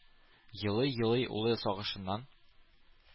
Елый-елый улы сагышыннан